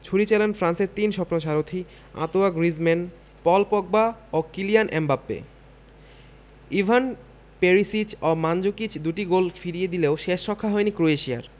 ছুরি চালান ফ্রান্সের তিন স্বপ্নসারথি আঁতোয়া গ্রিজমান পল পগবা ও কিলিয়ান এমবাপ্পে ইভান পেরিসিচ ও মানজুকিচ দুটি গোল ফিরিয়ে দিলেও শেষরক্ষা হয়নি ক্রোয়েশিয়ার